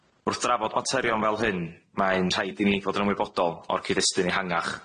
Wrth drafod materion fel hyn, mae'n rhaid i ni fod yn ymwybodol o'r cyd-destun ehangach.